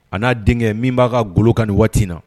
A n'a denkɛ min b'a ka golo kan nin waati in na